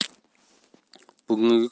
ayni paytga qadar ularning